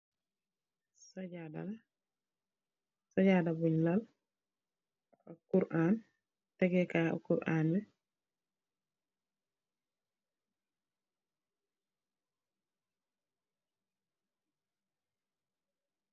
Cijada la, cijada buñ lan, Quran ak tegeh Kai Quran la.